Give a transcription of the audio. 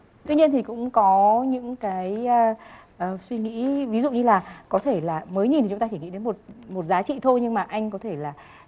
tuy nhiên thì cũng có những cái suy nghĩ ví dụ như là có thể là mới nhìn chúng ta chỉ nghĩ đến một một giá trị thôi nhưng mà anh có thể là